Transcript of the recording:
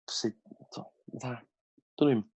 sut t'wo dwnim